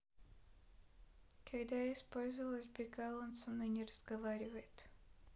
когда я использовалась бега он со мной не разговаривает